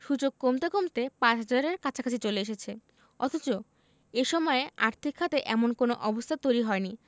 সূচক কমতে কমতে ৫ হাজারের কাছাকাছি চলে এসেছে অথচ এ সময়ে আর্থিক খাতে এমন কোনো অবস্থা তৈরি হয়নি